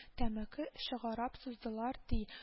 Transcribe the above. Тәмәке чыгарап суздылар, ди